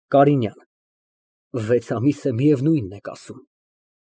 ԿԱՐԻՆՅԱՆ ֊ Վեց ամիս է միևնույնն եք ասում։